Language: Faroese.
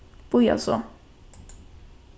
bíða so